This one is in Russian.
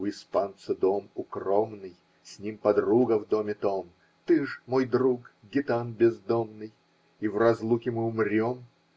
У испанца дом укромный, С ним подруга в доме том -- Ты ж, мой друг, гитан бездомный, И в разлуке мы умрем.